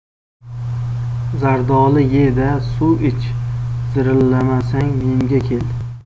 zardoli ye da suv ich zirillamasang menga kel